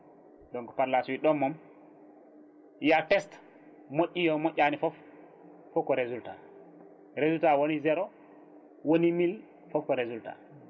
donc par la suite ɗon moom ya test moƴƴi yo moƴƴani foof foof ko résultat résultal woni 0 woni mille foof ko résultat